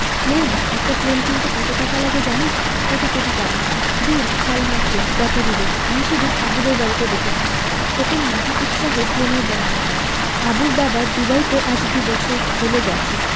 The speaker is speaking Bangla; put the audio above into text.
প্লেন একটা প্লেন কিনতে কত টাকা লাগে জানিস কোটি কোটি টাকা দূর খেলনার প্লেন ব্যাটারি দেয়া আমি সেদিন আবুদের বাড়িতে দেখেছি খোকন মহা উৎসাহে প্লেনের বর্ণনা দেয় আবুর বাবা দুবাইতে আজ দুবছর হলো গেছে